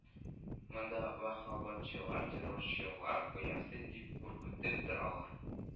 Монда ваһһабчылар, террорчылар оясы дип куркытып торалар